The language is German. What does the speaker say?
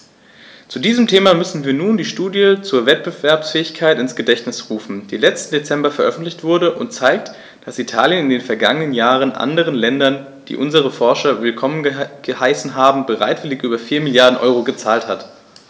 Zu diesem Thema müssen wir uns nur die Studie zur Wettbewerbsfähigkeit ins Gedächtnis rufen, die letzten Dezember veröffentlicht wurde und zeigt, dass Italien in den vergangenen Jahren anderen Ländern, die unsere Forscher willkommen geheißen haben, bereitwillig über 4 Mrd. EUR gezahlt hat.